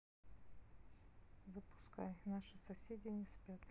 запускай наши соседи не спят